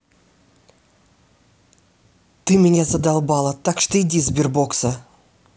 ты меня задолбала так что иди сбербокса